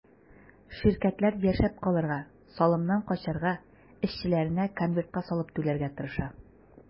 Ширкәтләр яшәп калырга, салымнан качарга, эшчеләренә конвертка салып түләргә тырыша.